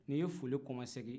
n'i ye foli kɔmasegin